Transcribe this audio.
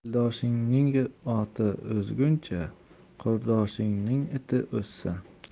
eldoshingning oti o'zguncha qurdoshingning iti o'zsin